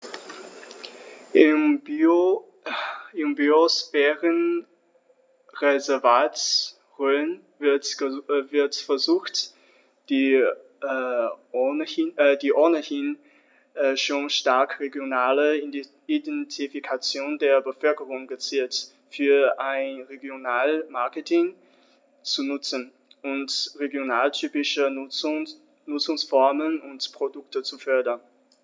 Im Biosphärenreservat Rhön wird versucht, die ohnehin schon starke regionale Identifikation der Bevölkerung gezielt für ein Regionalmarketing zu nutzen und regionaltypische Nutzungsformen und Produkte zu fördern.